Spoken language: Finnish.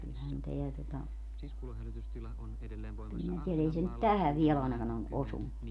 kyllähän tämä tuota kyllä minä tiedän ei se nyt tähän vielä ainakaan ole osunut